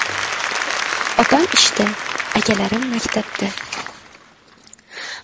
opam ishda akalarim maktabda